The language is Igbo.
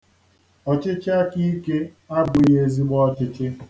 Ọchịchịakaike abụghị ezigbo ọchịchị